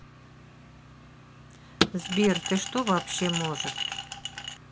сбер ты что вообще может